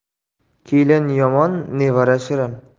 kelin yomon nevara shirin